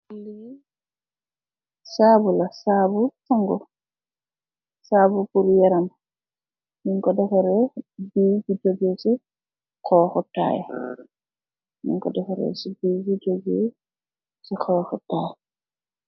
Li sabo la sabo sangu sabo pur yaram nyun ko defareh si koi bu jogeh si xoxi taay nyun ko defareh si koi bu jogehsi xoxi taay.